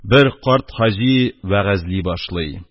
Бер карт хаҗи вәгазьли башлый.